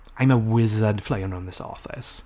I'm a wizard flying round this office.